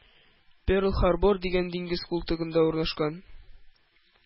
Перл-Харбор дигән диңгез култыгында урнашкан